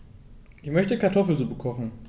Ich möchte Kartoffelsuppe kochen.